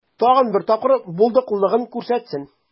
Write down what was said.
Тагын бер тапкыр булдыклылыгын күрсәтсен.